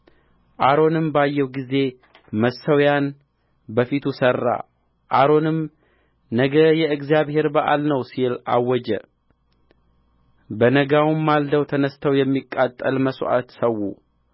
አሮንም ባየው ጊዜ መሠዊያን በፊቱ ሠራ አሮንም ነገ የእግዚአብሔር በዓል ነው ሲል አወጀ በነጋውም ማልደው ተነሥተው የሚቃጠል መሥዋዕት ሠዉ